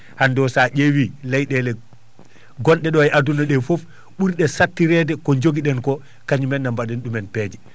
hannde o so a ƴeewi leyɗeele gonɗe ɗo e aduna ɗe fof ɓurɓe sattireede ko jogii ɗen ko kañumen ne mbaɗaani peeje